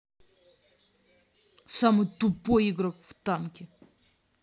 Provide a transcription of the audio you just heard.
самый тупой игрок в танки